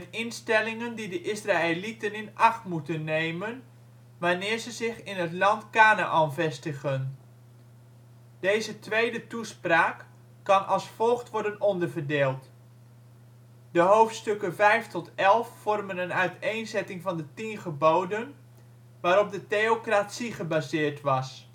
instellingen die de Israëlieten in acht moeten nemen wanneer ze zich in het land Kanaän vestigen. Deze tweede toespraak kan als volgt worden onderverdeeld: de hoofdstukken 5-11 vormen een uiteenzetting van de tien geboden, waarop de theocratie gebaseerd was